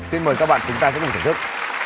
xin mời các bạn chúng ta sẽ